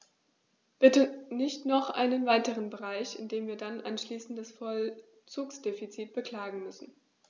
Bitte nicht noch einen weiteren Bereich, in dem wir dann anschließend das Vollzugsdefizit beklagen müssen.